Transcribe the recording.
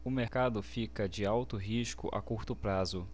o mercado fica de alto risco a curto prazo